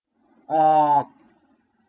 ออก